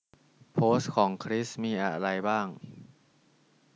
โพสต์ของคริสมีอะไรบ้าง